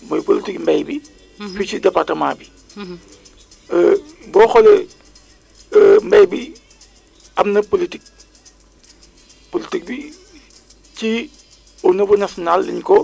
dégg nga donc loolu benn benn benn benn élément la mais di nga xam ne aussi booy utiliser c' est kii quoi c' est normal la di nga xam ne en général kat taw bi bu commencé gën jaa bëri ñetti weer lay def mu jeex